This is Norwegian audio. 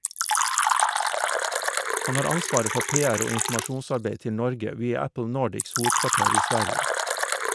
Han har ansvaret for PR- og informasjonsarbeid til Norge via Apple Nordics hovedkvarter i Sverige.